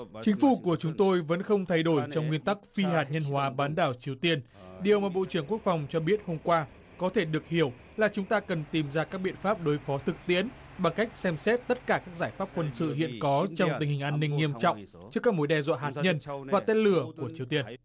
chính phủ của chúng tôi vẫn không thay đổi trong nguyên tắc phi hạt nhân hóa bán đảo triều tiên điều mà bộ trưởng quốc phòng cho biết hôm qua có thể được hiểu là chúng ta cần tìm ra các biện pháp đối phó thực tiễn bằng cách xem xét tất cả các giải pháp quân sự hiện có trong tình hình an ninh nghiêm trọng trước các mối đe dọa hạt nhân và tên lửa của triều tiên